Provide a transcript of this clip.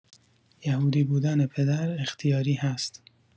یهودی بودن پدر اختیاری هست